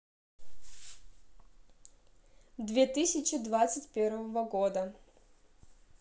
две тысячи двадцать первого года